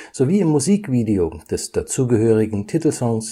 sowie im Musikvideo des dazugehörigen Titelsong